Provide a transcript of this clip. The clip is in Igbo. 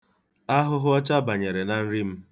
Ahụhụọcha banyere na nri m.